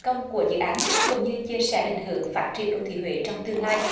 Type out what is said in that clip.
công của dự án cũng như chia sẻ định hướng phát triển đô thị huế trong tương lai